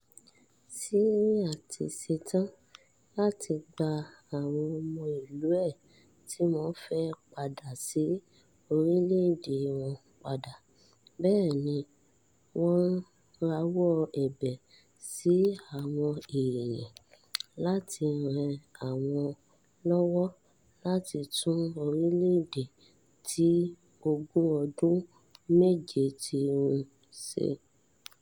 Syria ti ṣetán láti gba àwọn ọmọ ìlú e tí wọ́n fẹ́ padà sí orílẹ̀-èdè wọn padà. Bẹ́ẹ̀ ni wọ́n rawọ́ ẹ̀bẹ̀ sí àwọn èèyàn láti ran àwọn lọ́wọ́ láti tún orílẹ̀-èdè tí ogun ọdún méje t run ṣe.